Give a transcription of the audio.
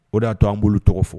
O de y'a to anan bolo tɔgɔ fɔ